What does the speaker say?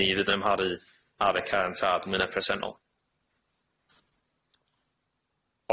ni fydd yn amharu ar y caniatad mwyna presennol.